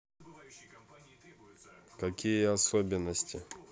какие особенности